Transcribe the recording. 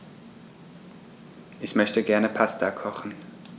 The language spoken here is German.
Ich möchte gerne Pasta kochen.